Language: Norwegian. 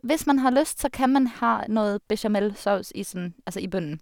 Hvis man har lyst, så kan man ha noe bechamelsaus i, sånn altså i bunnen.